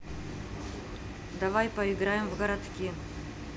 давай поиграем в городки